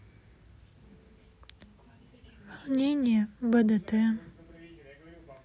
волнение бдт